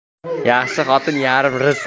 yaxshi xotin yarim rizq